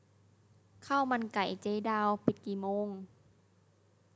ข้าวมันไก่เจ๊ดาวปิดกี่โมง